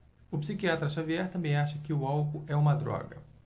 o psiquiatra dartiu xavier também acha que o álcool é uma droga